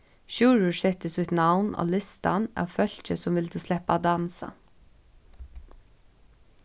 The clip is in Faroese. sjúrður setti sítt navn á listan av fólki sum vildu sleppa at dansa